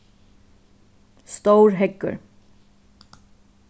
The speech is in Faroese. stórheyggur